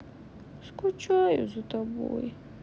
скучаю за тобой